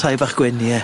Tai bach gwyn ie.